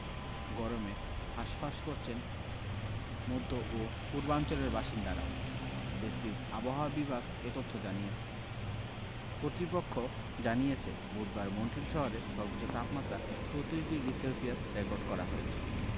গরমে হাসফাঁস করছেন মধ্য ও পূর্বাঞ্চলের বাসিন্দারাও দেশটির আবহাওয়া বিভাগ এ তথ্য জানিয়েছে কর্তৃপক্ষ জানিয়েছে বুধবার মন্ট্রিল শহরে সর্বোচ্চ তাপমাত্রা ৩৪ ডিগ্রি সেলসিয়াস রেকর্ড করা হয়েছে